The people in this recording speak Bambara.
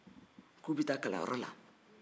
k'u bɛ taa kalanyɔrɔ la